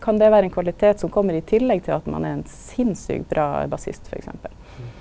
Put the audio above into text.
kan det vera ein kvalitet som kjem i tillegg til at ein er ein sinnsjukt bra bassist for eksempel.